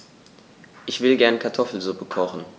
Ich will gerne Kartoffelsuppe kochen.